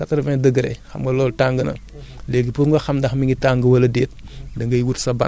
parce que température bi muy lii mën na dem ba 80 degré xam nga loolu tàng na